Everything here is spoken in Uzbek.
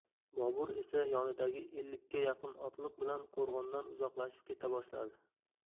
bobur esa yonidagi ellikka yaqin otliq bilan qo'rg'ondan uzoqlashib keta boshladi